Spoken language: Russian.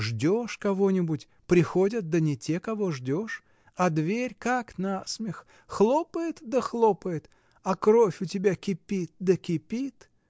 ждешь кого-нибудь: приходят, да не те, кого ждешь, а дверь, как на смех, хлопает да хлопает, а кровь у тебя кипит да кипит.